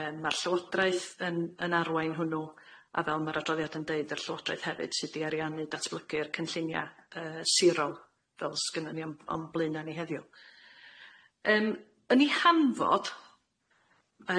Yym ma'r Llywodraeth yn yn arwain hwnnw a fel ma'r adroddiad yn deud y'r Llywodraeth hefyd sy di ariannu datblygu'r cynllunia yy sirol fel sgynnon ni o'n o'n blaena ni heddiw, yym yn ei hanfod,